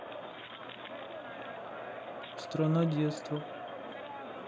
страна детства